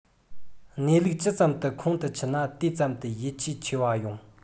གནས ལུགས ཇི ཙམ ཁོང དུ ཆུད ན དེ ཙམ དུ ཡིད ཆེས ཆེ བ ཡོང